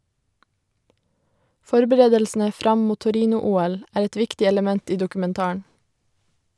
Forberedelsene fram mot Torino-OL er et viktig element i dokumentaren.